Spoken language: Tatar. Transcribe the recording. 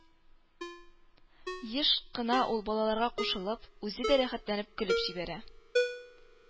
Еш кына ул, балаларга кушылып, үзе дә рәхәтләнеп көлеп җибәрә.